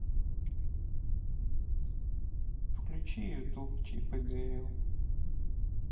включи ютуб чип и дейл